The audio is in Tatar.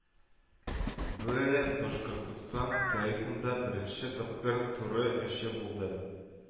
Бу әле Башкортстан тарихында беренче тапкыр туры очу булды